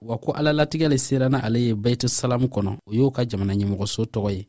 wa ko alalatigɛ de sera n'a ye beit-salam kɔnɔ o ye jamana ɲɛmɔgɔso tɔgɔ ye